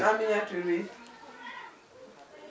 en miniature waaw